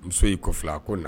Muso y'i ko fila ko na